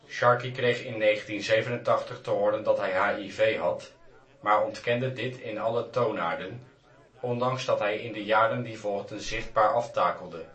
Sharkey kreeg in 1987 te horen dat hij Hiv had, maar ontkende dit in alle toonaarden, ondanks dat hij in de jaren die volgden zichtbaar aftakelde